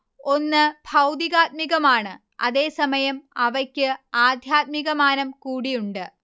ഒന്ന് ഭൌതികാത്മികമാണ്, അതേസമയം, അവയ്ക്ക് ആധ്യാത്മികമാനം കൂടിയുണ്ട്